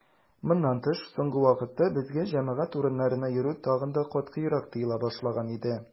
Моннан тыш, соңгы вакытта безгә җәмәгать урыннарына йөрү тагын да катгыйрак тыела башлаган иде.